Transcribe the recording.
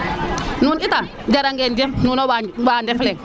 nuun i tam jërëngen jëf nuno wa ndefleng